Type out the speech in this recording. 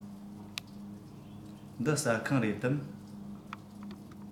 འདི ཟ ཁང རེད དམ